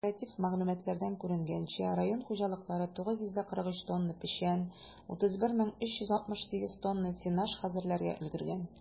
Оператив мәгълүматлардан күренгәнчә, район хуҗалыклары 943 тонна печән, 31368 тонна сенаж хәзерләргә өлгергән.